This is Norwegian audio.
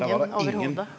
der var det ingen.